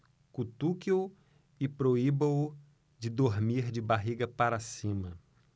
cutuque-o e proíba-o de dormir de barriga para cima